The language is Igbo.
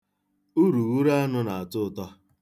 Urughuru anụ na-atọ ụtọ.